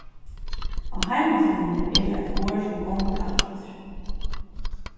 á heimasíðuni er tað eitt orð sum gongur aftur